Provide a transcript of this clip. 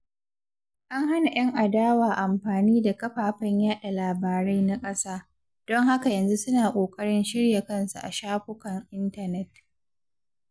An hana 'yan adawa amfani da kafafen yaɗa labarai na ƙasa, don haka yanzu suna ƙoƙarin shirya kansu a shafukan intanet.